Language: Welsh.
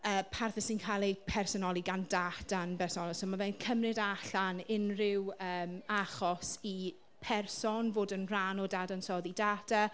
yy parthau sy'n cael eu personoli gan data yn bersonol. So ma' fe'n cymryd allan unrhyw yym achos i person fod yn rhan o dadansoddi data.